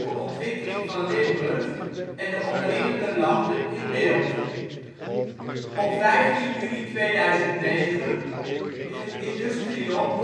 ontwikkeling van Limburg en de omringende landen in beeld. Op 15 juni 2009 is het Industrion officieel